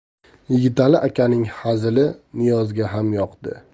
yigitali akaning hazili niyozga ham yoqdi